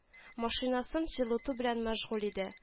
Машинасын җылыту белән мәшгуль иде